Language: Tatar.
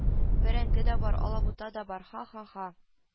– бәрәңге дә бар, алабута да бар, ха-ха-ха